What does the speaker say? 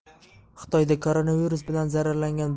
xitoyda koronavirus bilan zararlangan